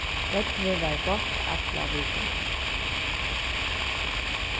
veðrið var gott alla vikuna